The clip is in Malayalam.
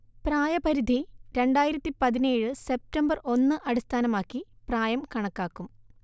പ്രായപരിധി രണ്ടായിരത്തി പതിനേഴ് സെപ്റ്റംബർ ഒന്ന് അടിസ്ഥാനമാക്കി പ്രായം കണക്കാക്കും